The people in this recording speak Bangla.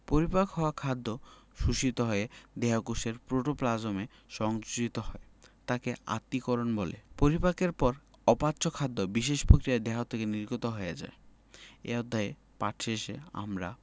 পরিপাক হওয়া খাদ্য শোষিত হয়ে দেহকোষের প্রোটোপ্লাজমে সংযোজিত হয় তাকে আত্তীকরণ বলে পরিপাকের পর অপাচ্য খাদ্য বিশেষ প্রক্রিয়ায় দেহ থেকে নির্গত হয়ে যায় এ অধ্যায় পাঠ শেষে আমরা